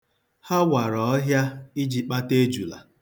Ha wara ọhịa iji kpata ejula.